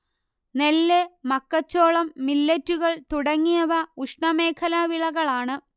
നെല്ല് മക്കച്ചോളം മില്ലെറ്റുകൾ തുടങ്ങിയവ ഉഷ്ണമേഖലാ വിളകളാണ്